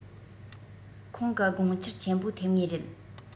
ཁོང གི དགོངས འཆར ཆེན པོ ཐེབས ངེས རེད